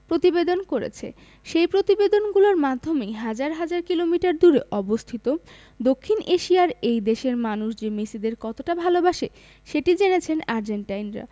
প্রতিবেদন করেছে সেই প্রতিবেদনগুলোর মাধ্যমেই হাজার হাজার কিলোমিটার দূরে অবস্থিত দক্ষিণ এশিয়ার এই দেশের মানুষ যে মেসিদের কতটা ভালোবাসে সেটি জেনেছেন আর্জেন্টাইনরা